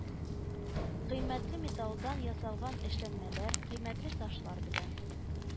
Кыйммәтле металлдан ясалган эшләнмәләр, кыйммәтле ташлар белән